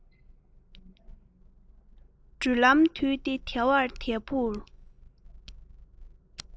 འདྲུད ལྷམ དྲུད དེ དལ བ དལ བུར